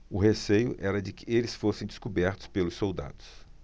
o receio era de que eles fossem descobertos pelos soldados